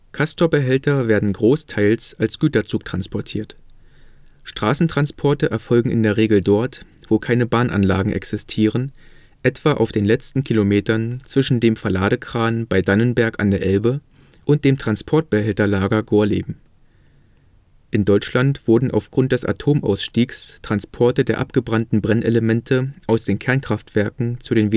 Castor-Behälter werden großteils als Güterzug transportiert. Straßentransporte erfolgen in der Regel dort, wo keine Bahnanlagen existieren, etwa auf den letzten Kilometern zwischen dem Verladekran bei Dannenberg (Elbe) und dem Transportbehälterlager Gorleben. In Deutschland wurden aufgrund des Atomausstiegs Transporte der abgebrannten Brennelemente aus den Kernkraftwerken zu den